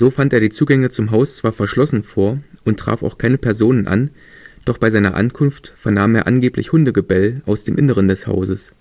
fand er die Zugänge zum Haus zwar verschlossen vor und traf auch keine Person an, doch bei seiner Ankunft vernahm er angeblich Hundegebell aus dem Inneren des Hauses